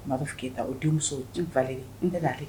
U ba fɔ k'i ta o denmuso n falen de n tɛ lare